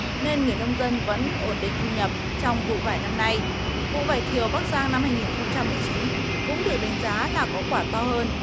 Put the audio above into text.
nên người nông dân vẫn ổn định thu nhập trong vụ vải năm nay vụ vải thiều bắc giang năm hai nghìn không trăm mười chín cũng được đánh giá là có quả to hơn